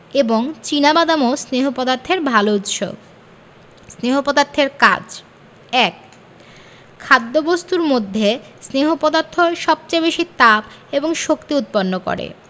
এবং চিনা বাদামও স্নেহ পদার্থের ভালো উৎস স্নেহ পদার্থের কাজ ১. খাদ্যবস্তুর মধ্যে স্নেহ পদার্থ সবচেয়ে বেশী তাপ এবং শক্তি উৎপন্ন করে